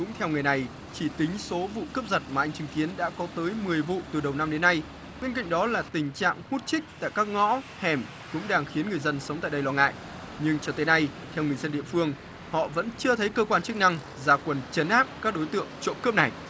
cũng theo nghề này chỉ tính số vụ cướp giật mà anh chứng kiến đã có tới mười vụ từ đầu năm đến nay bên cạnh đó là tình trạng hút chích tại các ngõ hẻm cũng đang khiến người dân sống tại đây lo ngại nhưng cho tới nay theo người dân địa phương họ vẫn chưa thấy cơ quan chức năng ra quân trấn áp các đối tượng trộm cướp này